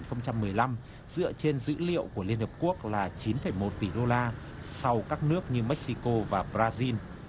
không trăm mười lăm dựa trên dữ liệu của liên hiệp quốc là chín phẩy một tỷ đô la sau các nước như me xi cô và bờ ra ziu